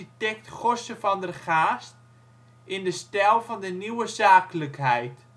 Gosse van der Gaast in de stijl van de Nieuwe Zakelijkheid